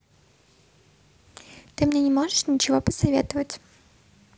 ты мне не можешь ничего посоветовать